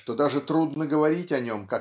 что даже трудно говорить о нем